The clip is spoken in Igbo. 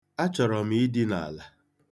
Achọrọ m idina ala.